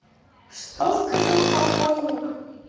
что сказал покойник